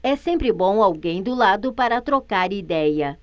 é sempre bom alguém do lado para trocar idéia